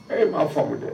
Ee' faamuya